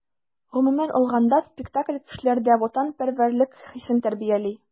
Гомумән алганда, спектакль кешеләрдә ватанпәрвәрлек хисен тәрбияли.